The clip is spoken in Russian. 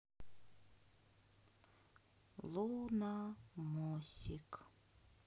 луна мосик